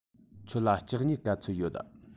ཁྱོད ལ ལྕགས སྨྱུག ག ཚོད ཡོད